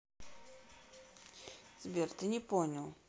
сбер ты не понял